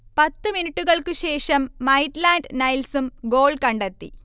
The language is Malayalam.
പത്ത് മിനുട്ടുകൾക്ക് ശേഷം മൈറ്റ്ലാഡ് നൈൽസും ഗോൾ കണ്ടെത്തി